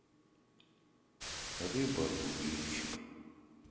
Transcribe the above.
рыба удильщик